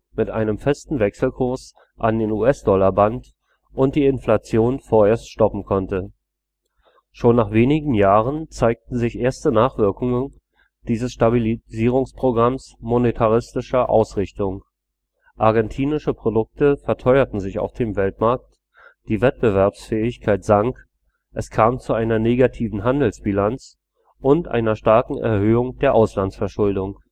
mit einem festen Wechselkurs an den US-Dollar band und die Inflation vorerst stoppen konnte. Schon nach wenigen Jahren zeigten sich erste Nachwirkungen dieses Stabilisierungsprogramms monetaristischer Ausrichtung: Argentinische Produkte verteuerten sich auf dem Weltmarkt; die Wettbewerbsfähigkeit sank; es kam zu einer negativen Handelsbilanz und einer starken Erhöhung der Auslandsverschuldung